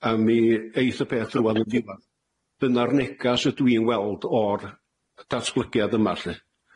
A mi eith y peth ddiwadd yn diwadd. Dyna'r negas ydw i'n weld o'r datblygiad yma 'lly.